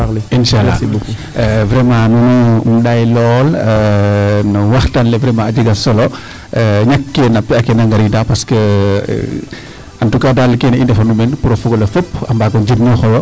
insala vraiment im ɗaay lool no waxtaan ;le vraiment a jega solo ñakkee na pe' ake na ngariida parce que en tout cas daal keene i ndefanu meen pour o fog ole fop a mbaag o njirñoox.